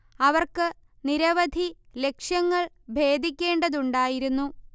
അവർക്ക് നിരവധി ലക്ഷ്യങ്ങൾ ഭേദിക്കേണ്ടതുണ്ടായിരുന്നു